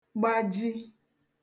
gbaji